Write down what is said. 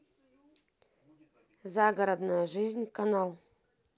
загородная жизнь канал